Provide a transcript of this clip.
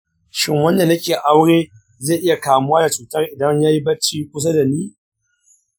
shin wanda nike aure zai iya kamuwa da cutar idan yayi bacci kusa dani?